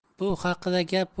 bu haqida gap